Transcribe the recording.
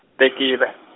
tekile.